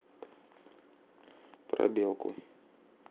про белку